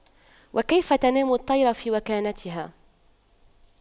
وكيف تنام الطير في وكناتها